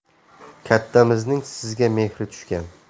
kattamizning sizga mehri tushgan